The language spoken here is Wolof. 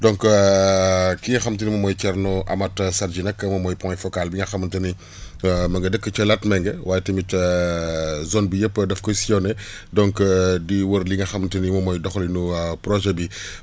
donc ki nga xamante ni moom mooy Thierno Amath Sadji nag moom mooy point focal bi nga xamante ni ma nga dëkk ca Latmengue waaye tamit zone bi yëpp daf koy sillonné donc di wër li nga xamante ni moom mooy doxalinu waa projet bi